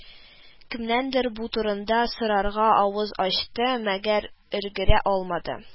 Кемнәндер бу турыда сорарга авыз ачты, мәгәр өлгерә алмады